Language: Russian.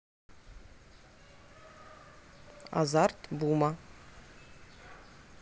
азарт бума